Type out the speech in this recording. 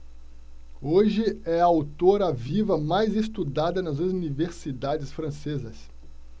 hoje é a autora viva mais estudada nas universidades francesas